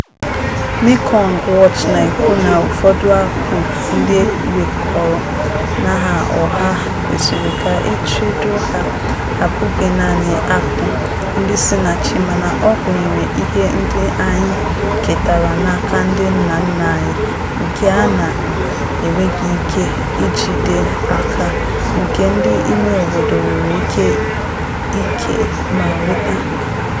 Mekong Watch na-ekwu na ụfọdụ akụ ndị e nwekọrọ n'aha ọha kwesịrị ka e chedoo ha abụghị naanị akụ ndị si na chi mana ọ gụnyere "ihe ndị anyị ketara n'aka ndị nna nna anyị nke a na-enweghị ike ijide aka" nke ndị ime obodo nwere íké íkè ma nweta.